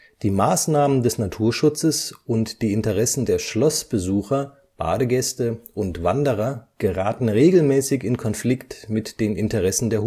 Die Maßnahmen des Naturschutzes und die Interessen der Schlossbesucher, Badegäste und Wanderer geraten regelmäßig in Konflikt mit den Interessen der